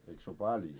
eikä se ole paljon